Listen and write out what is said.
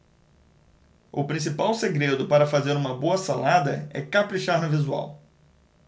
o principal segredo para fazer uma boa salada é caprichar no visual